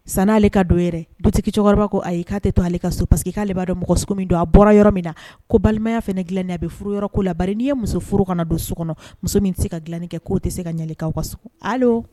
San aleale ka don yɛrɛ du cɛkɔrɔba ko ayi k'a tɛ to ale ka so paseke que k'ale'a dɔn mɔgɔso min don a bɔra yɔrɔ min na ko balimaya fana dilannen a bɛ furu yɔrɔ ko la ba n' ye muso furu kana don so kɔnɔ muso min tɛ se ka dilai kɛ'o tɛ se ka ɲalikaw ka waso